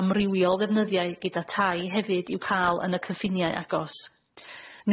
amrywiol ddefnyddiau gyda tai hefyd i'w ca'l yn y cyffiniau agos.